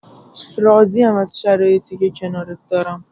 راضی‌ام از شرایطی که کنارت دارم.